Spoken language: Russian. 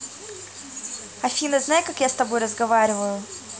афина знай как я с тобой разговариваю